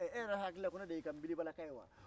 ɛ e yɛrɛ hakili la ko ne de y'i ka n'bilibala ka ye wa